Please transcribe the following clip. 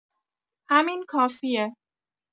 همین کافیه.